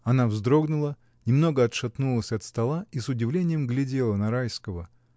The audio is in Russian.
Она вздрогнула, немного отшатнулась от стола и с удивлением глядела на Райского.